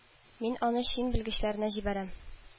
Мин аны чин белгечләренә җибәрәм